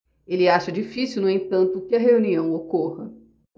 ele acha difícil no entanto que a reunião ocorra